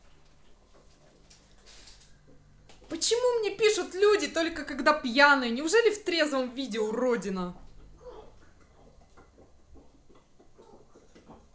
почему мне пишут люди только когда пьяные неужели в трезвом виде уродина